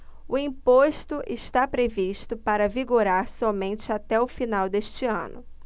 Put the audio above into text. o imposto está previsto para vigorar somente até o final deste ano